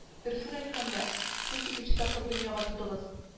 Дөресен әйткәндә, сез икенче тапкыр дөньяга тудыгыз